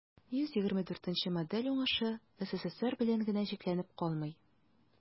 124 нче модель уңышы ссср белән генә чикләнеп калмый.